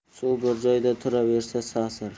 suv bir joyda turaversa sasir